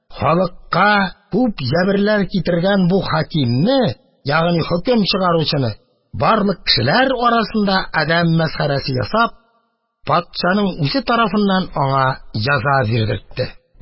Халыкка күп җәберләр китергән бу хакимне, ягъни хөкем чыгаручына, барлык кешеләр арасында адәм мәсхәрәсе ясап, патшаның үзе тарафыннан аңа җәза бирдертте.